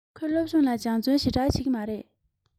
ཁོས སློབ སྦྱོང ལ སྦྱོང བརྩོན ཞེ དྲགས བྱེད ཀྱི མ རེད